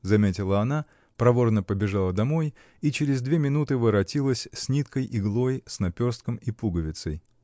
— заметила она, проворно побежала домой и через две минуты воротилась с ниткой, иглой, с наперстком и пуговицей.